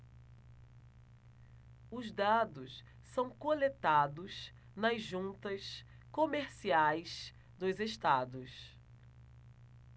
os dados são coletados nas juntas comerciais dos estados